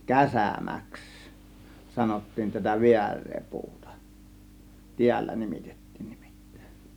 käsämäksi sanottiin tätä väärää puuta täällä nimitettiin nimittäin